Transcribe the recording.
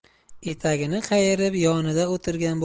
etagini qayirib yonida o'tirgan